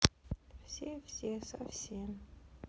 все все совсем